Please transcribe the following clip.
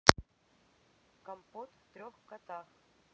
компот в трех котах